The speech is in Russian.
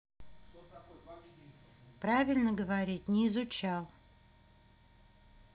правильно говорить не изучал